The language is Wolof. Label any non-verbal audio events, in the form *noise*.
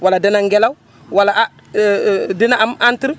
wala dana ngelaw wala ah *hesitation* dina am entre